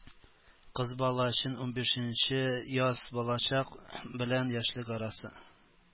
Кыз бала өчен унбишенче яз балачак белән яшьлек арасы.